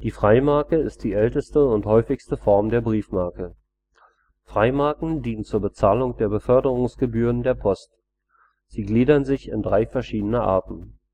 Freimarke ist die älteste und häufigste Form der Briefmarke. Freimarken dienen zur Bezahlung der Beförderungsgebühren der Post. Freimarken gliedern sich in drei verschiedene Arten